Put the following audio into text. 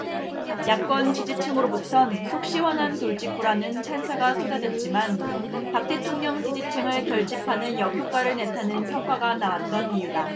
야권 지지층으로부턴 속시원한 돌직구라는 찬사가 쏟아졌지만 박 대통령 지지층을 결집하는 역효과를 냈다는 평가가 나왔던 이유다